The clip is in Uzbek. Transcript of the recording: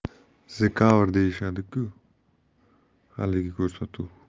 'the cover' deyishadi ku haligi ko'rsatuv